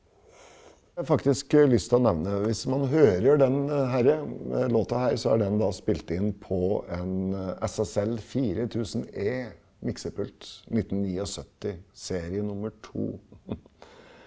jeg har faktisk lyst til å nevne hvis man hører den herre låta her så er den da spilt inn på en SSL 4000 E miksepult 1979 serie nummer to.